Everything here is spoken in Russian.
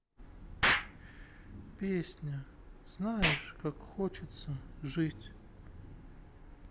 песня знаешь как хочется жить